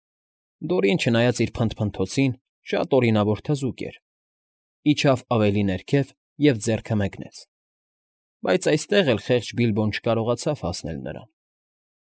Դորին, չնայած իր փնփնթոցներին, շատ օրինավոր թզուկ էր. իջավ ավելի ներքև և ձեռքը մեկնեց, բայց այստեղ էլ խեղճ Բիլբոն չկարողացավ հասնել նրան։